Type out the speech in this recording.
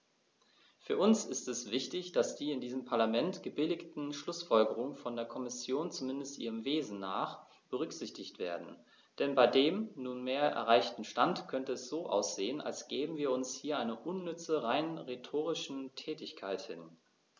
Für uns ist es wichtig, dass die in diesem Parlament gebilligten Schlußfolgerungen von der Kommission, zumindest ihrem Wesen nach, berücksichtigt werden, denn bei dem nunmehr erreichten Stand könnte es so aussehen, als gäben wir uns hier einer unnütze, rein rhetorischen Tätigkeit hin.